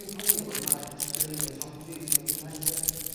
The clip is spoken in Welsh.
...dwi'n poeni ond bod dim yn like jyst 'di o ddim yn top three sy'n mynd trw' pen fi.